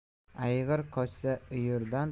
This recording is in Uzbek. ayg'ir qochsa uyurdan